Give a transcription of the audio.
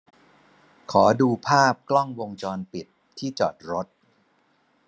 ขอดูภาพกล้องวงจรปิดที่จอดรถ